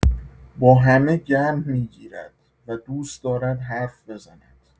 با همه گرم می‌گیرد و دوست دارد حرف بزند.